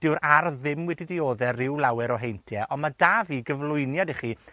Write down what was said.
dyw'r ardd ddim wedi diodde ryw lawer o heintie, on' ma' 'da fi gyflwyniad i chi